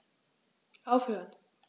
Aufhören.